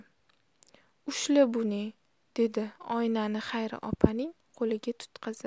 ushla bune dedi oynani xayri opaning qo'liga tutqazib